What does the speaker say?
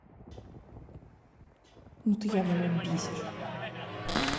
ну ты явно меня бесишь